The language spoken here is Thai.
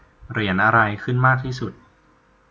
เหรียญอะไรขึ้นมากที่สุด